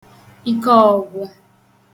ike ọ̀gwụ